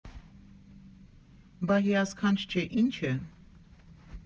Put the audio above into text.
Բա հիասքանչ չէ, ի՞նչ է…